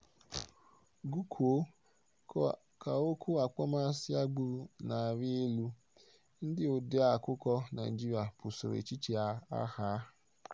Gụ kwuo: Ka okwu akpọmasị agbụrụ na-arị elu, ndị odeeakwụkwọ Naịjirịa busoro echiche a agha.